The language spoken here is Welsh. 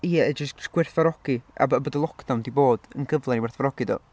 ie jyst gwerthfawrogi a b- bod y lockdown 'di bod yn gyfle i werthfawrogi do?